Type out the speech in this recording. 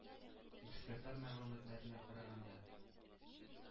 Экспертлар мәгълүматларына караганда,